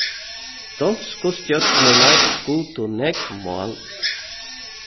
donsku stjørnurnar skutu nógv mál